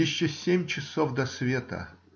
Еще семь часов до света!